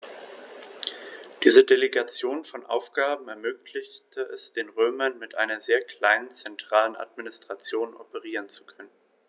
Diese Delegation von Aufgaben ermöglichte es den Römern, mit einer sehr kleinen zentralen Administration operieren zu können.